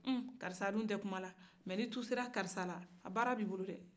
hum karisa tun tɛ kumana mɛ ni tusera karisa la baara bi bolo dɛ